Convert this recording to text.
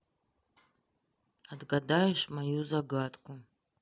отгадаешь мою загадку